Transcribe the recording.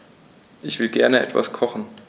Ich will gerne etwas kochen.